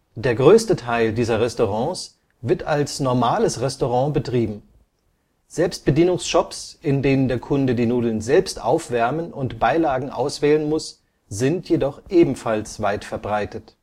Der größte Teil dieser Restaurants wird als normales Restaurant betrieben; Selbstbedienungsshops, in denen der Kunde die Nudeln selbst aufwärmen und Beilagen auswählen muss, sind jedoch ebenfalls weit verbreitet